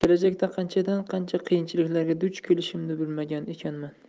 kelajakda qanchadan qancha qiyinchiliklarga duch kelishimni bilmagan ekanman